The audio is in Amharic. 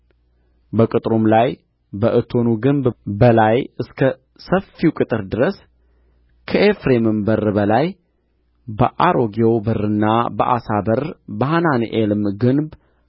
በቅጥሩም ላይ በእቶኑ ግንብ በላይ እስከ ሰፊው ቅጥር ድረስ ከኤፍሬምም በር በላይ በአሮጌው በርና በዓሣ በር በሐናንኤልም ግንብ